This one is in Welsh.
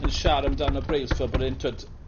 yn siara amdano Brailsford bod e'n t'wod